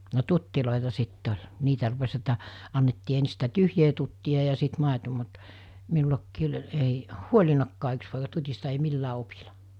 no tutteja sitten oli niitä rupesi että annettiin ensin sitä tyhjää tuttia ja sitten maito mutta minullakin oli ei huolinutkaan yksi poika tutista ei millään opilla